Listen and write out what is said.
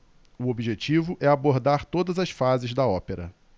o objetivo é abordar todas as fases da ópera